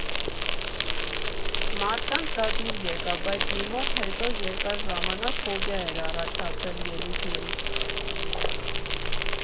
Մարդկանց դա դուր եկավ, բայց իմ մոտ հետո երկար ժամանակ ֆոբիա էր առաջացել ելույթներից։